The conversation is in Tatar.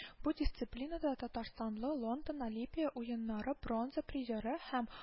Бу дисциплинада татарстанлы, Лондон Олимпия уеннары бронза призеры һәм